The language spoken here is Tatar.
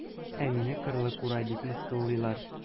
Ә мине кырлы курай дип мыскыллыйлар.